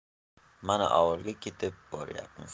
mana ovulga ketib boryapmiz